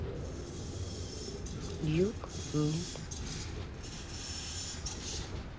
юг нет